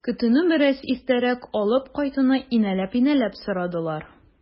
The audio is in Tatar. Көтүне бераз иртәрәк алып кайтуны инәлеп-инәлеп сорадылар.